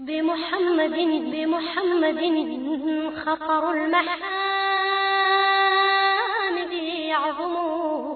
Denmusoninmuminilagɛnin yo